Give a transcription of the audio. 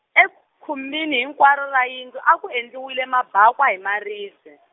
ekhumbini hinkwaro ra yindlu a ku endliwile mabakwa hi maribye.